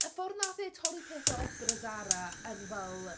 Y ffordd wnaeth e torri pethau off gyda Zara yn fel...